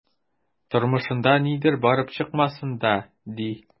Тормышында нидер барып чыкмасын да, ди...